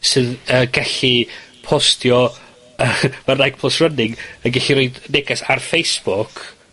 sydd, yy gellu postio, ma' Nike Plus Running yn gellu roid neges ar Facebook,